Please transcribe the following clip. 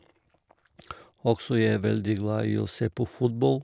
Også, jeg er veldig glad i å se på fotball.